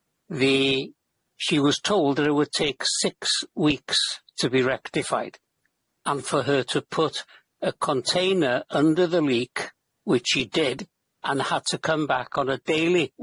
The, she was told that it would take six weeks to be rectified, and for her to put a container under the leak, which she did, and had to come back on a daily,